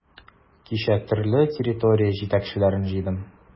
Кичә төрле территория җитәкчеләрен җыйдым.